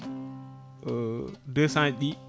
200 ji ɗi